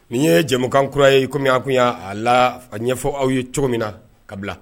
Nin ye jɛkan kura ye kɔmimiya kunya a la a ɲɛfɔ aw ye cogo min na kabila